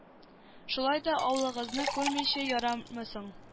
Шулай да авылыгызны күрмичә ярамы соң